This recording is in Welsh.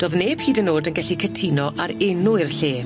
Do'dd neb hyd yn o'd yn gallu cytuno ar enw i'r lle.